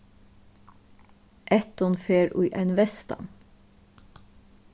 ættin fer í ein vestan